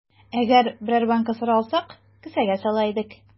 Әгәр берәр банка сыра алсак, кесәгә сала идек.